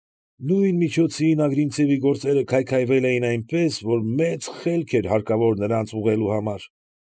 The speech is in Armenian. Նույն միջոցին Ագրինցևի գործերը քայքայվել էին այնպես, ոը մեծ խելք էր հարկավոր նրանց ուղղելու համար։